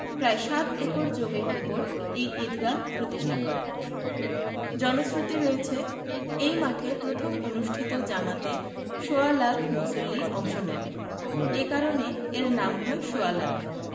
প্রায় সাত একর জমির ওপর এই ঈদগাহ প্রতিষ্ঠা করেন জনশ্রুতি রয়েছে এই মাঠে প্রথম অনুষ্ঠিত জামাতে সোয়া লাখ মুসল্লি অংশ নেন এ কারণে এর নাম হয় সোয়া লাখ